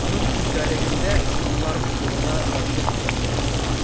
Аның көндәлегендәге юллар бу турыда ачык сөйлиләр.